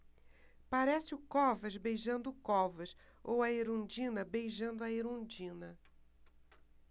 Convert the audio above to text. parece o covas beijando o covas ou a erundina beijando a erundina